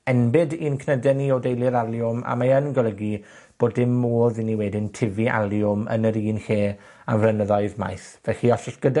enbyd i'n cnyde ni o deulu'r aliwm, a mae yn golygu bod dim modd i ni wedyn tifi aliwm yn yr un lle am flynyddoedd maith. Felly, os o's gyda